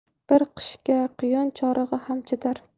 bir qishga quyon chorig'i ham chidar